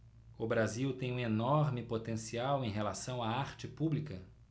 o brasil tem um enorme potencial em relação à arte pública